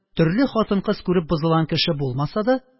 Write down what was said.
Төрле хатын-кыз күреп бозылган кеше булмаса да,